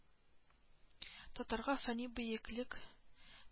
Татарга фани бөеклек